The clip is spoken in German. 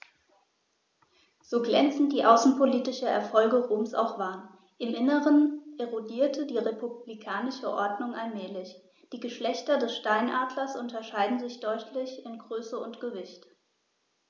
So glänzend die außenpolitischen Erfolge Roms auch waren: Im Inneren erodierte die republikanische Ordnung allmählich. Die Geschlechter des Steinadlers unterscheiden sich deutlich in Größe und Gewicht.